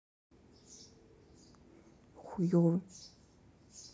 хуевый